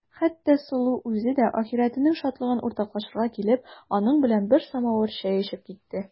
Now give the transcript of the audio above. Хәтта Сылу үзе дә ахирәтенең шатлыгын уртаклашырга килеп, аның белән бер самавыр чәй эчеп китте.